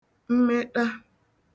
mmeṭa